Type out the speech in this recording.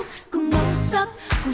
cùng màu sắc